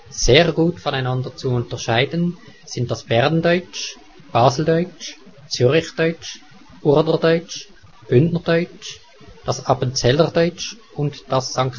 Sehr gut voneinander zu unterscheiden sind das Berndeutsch, Baseldeutsch, Zürichdeutsch, Urnerdeutsch, Bündnerdeutsch, das Appenzellerdeutsch und das